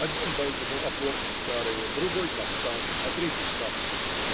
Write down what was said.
один дал ему опорки старые, другой - кафтан, а третий - шапку.